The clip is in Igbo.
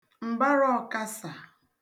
m̀baraọkasà